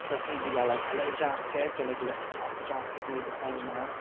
Dylse hi 'di cael like, a little jacket or like a little cropped jacket, neu rywbeth fel 'na.